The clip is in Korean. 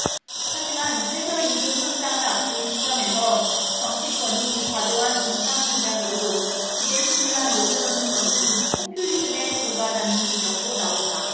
하지만 최저임금 협상을 앞둔 시점에서 정치권이 과도한 인상 공약으로 기대심리만 높여놓는 것은 포퓰리즘에 불과하다는 지적도 나온다